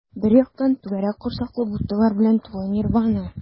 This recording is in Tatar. Бер яктан - түгәрәк корсаклы буддалар белән тулы нирвана.